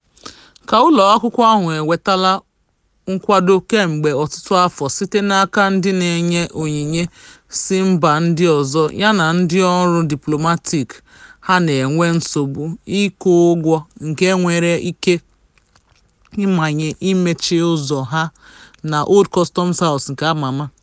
Ka ụlọakwụkwọ ahụ enwetaala nkwado kemgbe ọtụtụ afọ site n'aka ndị na-enye onyinye si mba ndị ọzọ yana ndị ọrụ diplọmatiiki, ha na-enwe nsogbu ịkwụ ụgwọ nke nwere ike ịmanye ha imechi ụzọ ha na Old Customs House nke a ma ama.